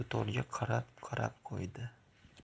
g'ilofli dutorga qarab qarab qo'ydi